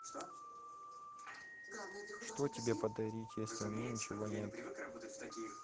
а что тебе подарить если у меня ничего нет